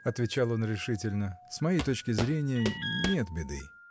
— отвечал он нерешительно, — с моей точки зрения — нет беды.